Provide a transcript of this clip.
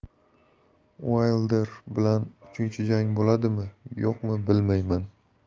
uaylder bilan uchinchi jang bo'ladimi yo'qmi bilmayman